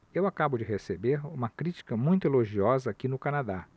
eu acabo de receber uma crítica muito elogiosa aqui no canadá